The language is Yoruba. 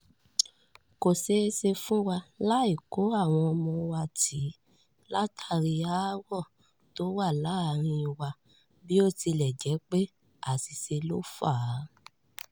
”Kò ṣéeṣe fún wa lái kó àwọn ọmọ wa tìí látàrí aáwọ̀ tó wà láàárin wa bí ó tilẹ̀ jẹ́ pé àṣìṣe ló fà á.